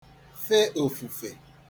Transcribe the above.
fe òfùfè